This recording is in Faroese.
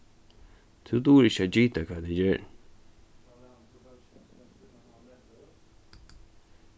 tú dugir ikki at gita hvat eg geri